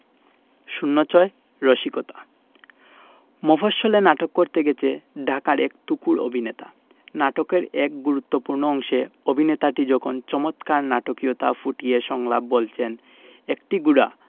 ০৬ রসিকতা মফশ্বলে নাটক করতে গেছে ঢাকার এক তুখোর অভিনেতা নাটকের এক গুরুত্তপূ্র্ণ অংশে অভিনেতাটি যখন চমৎকার নাটকীয়তা ফুটিয়ে সংলাপ বলছেন একটি ঘোড়া